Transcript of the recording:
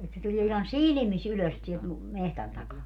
että se tulee ihan silmissä ylös sieltä - metsän takaa